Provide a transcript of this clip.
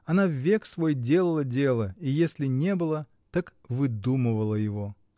Она век свой делала дело, и если не было, так выдумывала его.